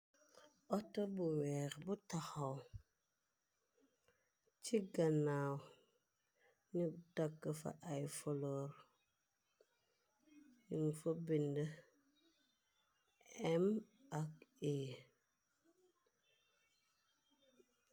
Auto bu weex bu taxaw ci gannaaw nit dakk fa ay folor yun fabind mhe.